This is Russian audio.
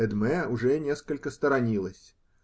Эдмэ уже несколько сторонилась.